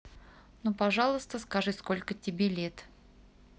ну пожалуйста скажи сколько тебе лет